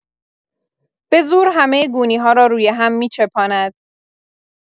به‌زور همه گونی‌ها را روی‌هم می‌چپاند